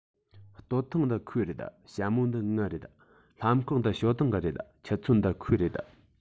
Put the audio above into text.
སྟོད ཐུང འདི ཁོའི རེད ཞྭ མོ འདི ངའི རེད ལྷམ གོག འདི ཞའོ ཏིང གི རེད ཆུ ཚོད འདི ཁོའི རེད